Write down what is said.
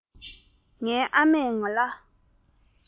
ངའི ཨ མས ང ལ